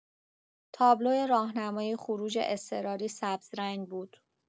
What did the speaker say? تابلو راهنمای خروج اضطراری سبزرنگ بود.